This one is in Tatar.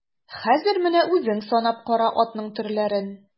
Хәзер менә үзең санап кара атның төрләрен.